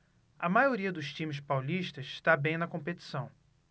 a maioria dos times paulistas está bem na competição